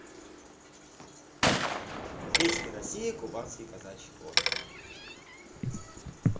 песня россия кубанский казачий хор